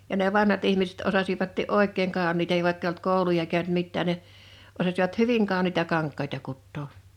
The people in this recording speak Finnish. ja ne vanhat ihmiset osasivatkin oikein kauniita niin vaikka ei ollut kouluja käynyt mitään ne osasivat hyvin kauniita kankaita kutoa